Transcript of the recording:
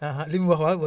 li mu wax waaw